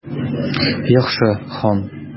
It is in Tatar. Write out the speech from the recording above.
Яхшы, хан.